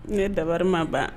Ne dabanri ma ban